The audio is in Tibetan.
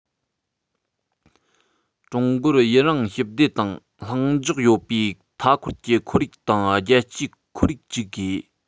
ཀྲུང གོར ཡུན རིང ཞི བདེ དང ལྷིང འཇགས ཡོད པའི མཐའ འཁོར གྱི ཁོར ཡུག དང རྒྱལ སྤྱིའི ཁོར ཡུག ཅིག དགོས